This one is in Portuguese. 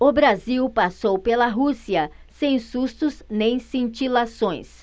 o brasil passou pela rússia sem sustos nem cintilações